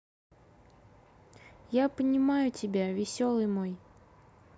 я понимаю тебя веселый мой